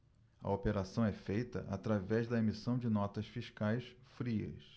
a operação é feita através da emissão de notas fiscais frias